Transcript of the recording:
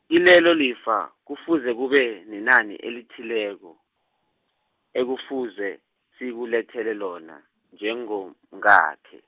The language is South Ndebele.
kilelolifa, kufuze kube, nenani elithileko, ekufuze, sikulethele lona, njengomkakhe.